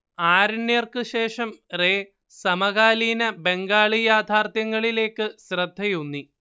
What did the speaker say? ആരണ്യർക്ക് ശേഷം റേ സമകാലീന ബംഗാളി യാഥാർത്ഥ്യങ്ങളിലേയ്ക്ക് ശ്രദ്ധയൂന്നി